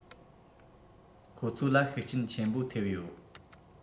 ཁོ ཚོ ལ ཤུགས རྐྱེན ཆེན པོ ཐེབས ཡོད